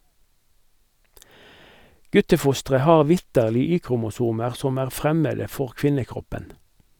Guttefostre har vitterlig y-kromosomer som er fremmede for kvinnekroppen.